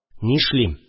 Нишлим